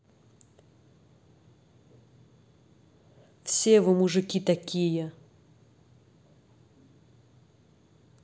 все вы мужики такие